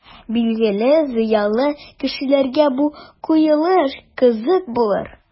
Билгеле, зыялы кешеләргә бу куелыш кызык булыр.